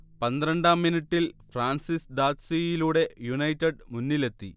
പന്ത്രണ്ടാം മിനിറ്റിൽ ഫ്രാൻസിസ് ദാദ്സീയിലൂടെ യുണൈറ്റഡ് മുന്നിലെത്തി